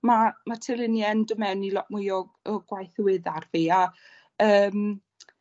ma' ma' tirlunie yn do' mewn i lot mwy o o gwaith ddiweddar fi a yym